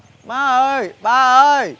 má ơi ba ơi